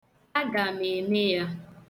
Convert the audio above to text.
A ga m eme ya.